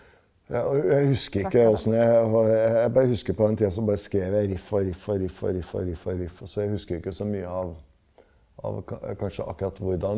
ja, og jeg husker ikke åssen jeg var jeg bare husker på den tida så bare skrev jeg riff og riff og riff og riff og riff og riff, altså jeg husker ikke så mye av av kanskje akkurat hvordan.